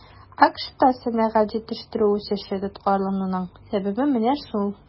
АКШта сәнәгать җитештерүе үсеше тоткарлануның сәбәбе менә шул.